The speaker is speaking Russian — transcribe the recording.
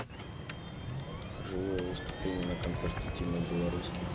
живое выступление на концерте тима белорусских